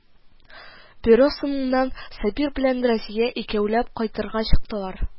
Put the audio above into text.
Бюро соңыннан Сабир белән Разия икәүләп кайтырга чыктылар